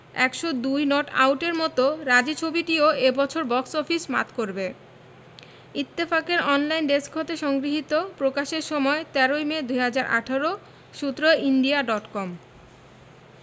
১০২ not আউটের মতো রাজী ছবিটিও এ বছর বক্স অফিস মাত করবে ইত্তেফাক এর অনলাইন ডেস্ক হতে সংগৃহীত প্রকাশের সময় ১৩ মে ২০১৮ সূত্র ইন্ডিয়া ডট কম